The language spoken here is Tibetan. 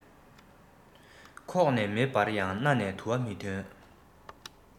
ཁོག ནས མེ འབར ཡང སྣ ནས དུ བ མི ཐོན